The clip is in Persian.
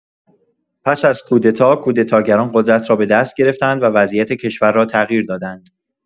پس از کودتا، کودتاگران قدرت را به دست گرفتند و وضعیت کشور را تغییر دادند.